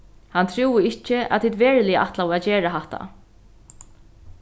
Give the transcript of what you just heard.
hann trúði ikki at tit veruliga ætlaðu at gera hatta